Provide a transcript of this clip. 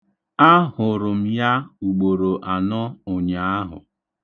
Ahụrụ m ya ugboro anọ ụnyaahụ.